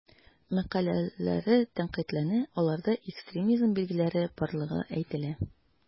Мәкаләләре тәнкыйтьләнә, аларда экстремизм билгеләре барлыгы әйтелә.